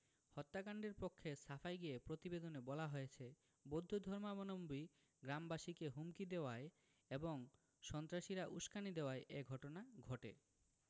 হত্যাকাণ্ডের পক্ষে সাফাই গেয়ে প্রতিবেদনে বলা হয়েছে বৌদ্ধ ধর্মাবলম্বী গ্রামবাসীকে হুমকি দেওয়ায় এবং সন্ত্রাসীরা উসকানি দেওয়ায় এ ঘটনা ঘটে